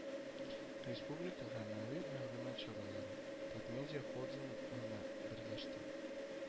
Республика гаммәви мәгълүмат чаралары Татмедиа холдингына берләште